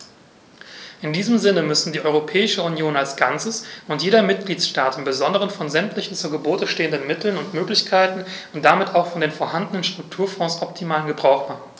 In diesem Sinne müssen die Europäische Union als Ganzes und jeder Mitgliedstaat im besonderen von sämtlichen zu Gebote stehenden Mitteln und Möglichkeiten und damit auch von den vorhandenen Strukturfonds optimalen Gebrauch machen.